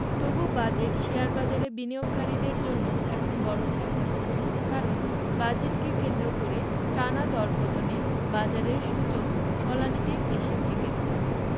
তবু বাজেট শেয়ারবাজারে বিনিয়োগকারীদের জন্য এখন বড় ভাবনা কারণ বাজেটকে কেন্দ্র করে টানা দরপতনে বাজারের সূচক তলানিতে এসে ঠেকেছে